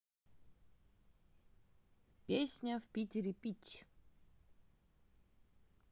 песня в питере пить